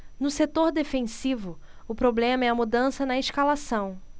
no setor defensivo o problema é a mudança na escalação